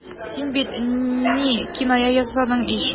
Син бит... ни... киная ясадың ич.